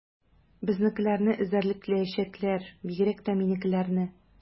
Безнекеләрне эзәрлекләячәкләр, бигрәк тә минекеләрне.